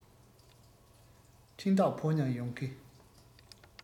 འཕྲིན བདག ཕོ ཉ ཡོང གི